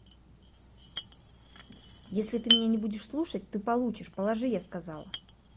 если ты меня не будешь слушать ты получишь положи я сказала